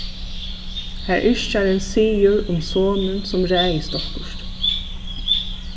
har yrkjarin sigur um sonin sum ræðist okkurt